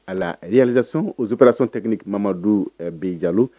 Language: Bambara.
A la réalisation, aux opérations techniques Mamadu B Jalo